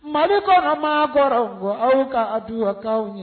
Mali kɔ ka maa bɔra bɔ aw ka dunkaw ɲɛ